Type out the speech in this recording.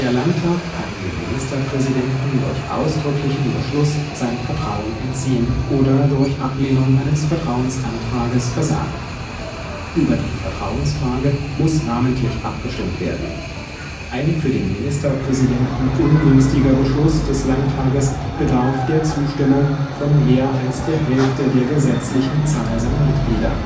Landtag kann dem Ministerpräsidenten durch ausdrücklichen Beschluss sein Vertrauen entziehen oder durch Ablehnung eines Vertrauensantrages versagen. (Absatz 1) Über die Vertrauensfrage muss namentlich abgestimmt werden. Ein für den Ministerpräsidenten ungünstiger Beschluss des Landtages bedarf der Zustimmung von mehr als der Hälfte der gesetzlichen Zahl seiner Mitglieder